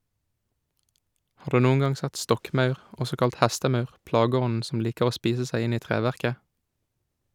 Har du noen gang sett stokkmaur, også kalt hestemaur, plageånden som liker å spise seg inn i treverket?